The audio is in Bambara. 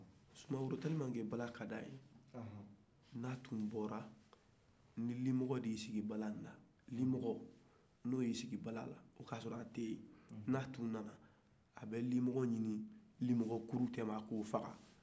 soumaworo tellement que bala kad'a ye n'a tun bɔɔr ni limɔgɔ sigira bala in ka a kɔfɛ n'a tun nana abɛ limɔgɔ in ɲinin limɔgɔ kulu cɛla k'o faga